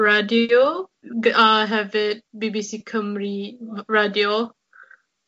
radio. Gy- a hefyd bee bee see Cymru my- radio.